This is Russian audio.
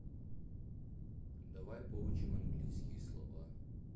давай поучим английские слова